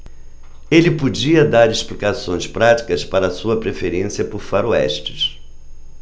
ele podia dar explicações práticas para sua preferência por faroestes